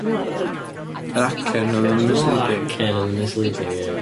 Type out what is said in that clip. Dwi'n me'wl yr... Yr acen o'dd yn misleadig. Yr acen o'dd y misleadig, ie.